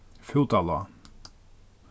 fútalág